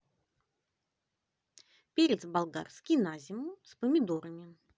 перец болгарский на зиму с помидорами